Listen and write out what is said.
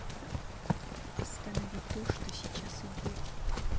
останови то что сейчас идет